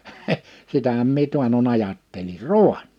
sitähän minä taannoin ajattelin raani